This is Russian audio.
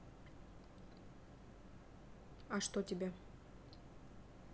а что тебя